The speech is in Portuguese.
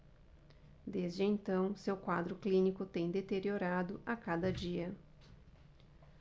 desde então seu quadro clínico tem deteriorado a cada dia